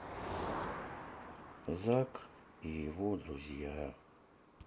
зак и его друзья